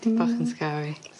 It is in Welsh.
Dim... Bach yn scary.